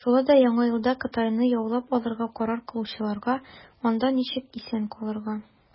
Ә шулай да Яңа елда Кытайны яулап алырга карар кылучыларга, - анда ничек исән калырга.